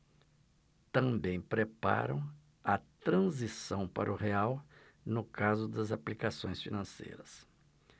também preparam a transição para o real no caso das aplicações financeiras